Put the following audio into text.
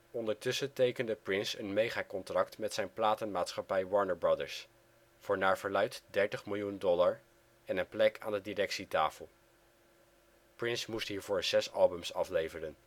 Ondertussen tekende Prince een megacontract met zijn platenmaatschappij Warner Brothers, voor naar verluidt 30 miljoen dollar en een plek aan de directietafel. Prince moest hiervoor zes albums afleveren